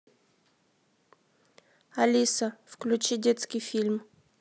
алиса включи детский фильм